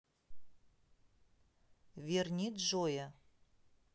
верни джоя